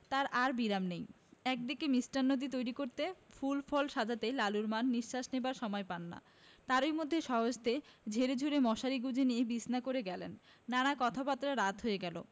তার আর বিরাম নেই এদিকে মিষ্টান্নাদি তৈরি করতে ফল ফুল সাজাতে লালুর মা নিঃশ্বাস নেবার সময় পান না তারই মধ্যে স্বহস্তে ঝেড়েঝুড়ে মশারি গুঁজে দিয়ে বিছানা করে গেলেন নানা কথাবার্তায় রাত হয়ে গেল